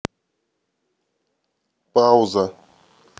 пауза